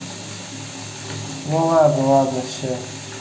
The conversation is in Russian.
ну ладно ладно все